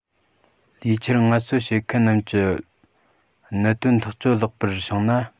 ལས འཁྱུར ངལ གསོ བྱེད མཁན རྣམས ཀྱི གནད དོན ཐག གཅོད ལེགས པར བྱུང ན